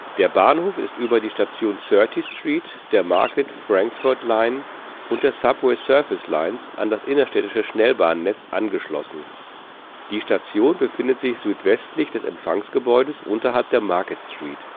Der Bahnhof ist über die Station 30th Street der Market – Frankford Line und der Subway – Surface Lines an das innerstädtische Schnellbahnnetz angeschlossen. Die Station befindet sich südwestlich des Empfangsgebäudes unterhalb der Market Street